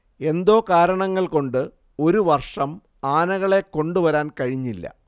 എന്തോ കാരണങ്ങൾകൊണ്ട് ഒരു വർഷം ആനകളെ കൊണ്ടുവരാൻ കഴിഞ്ഞില്ല